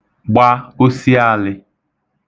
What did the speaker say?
gba osiālị̄